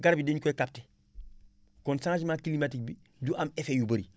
garab yi dañu koy capté kon changement climatique bi du am effet yu bëri